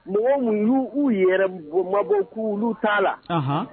Mɔgɔ u yɛrɛ mabɔ k'u olu taa la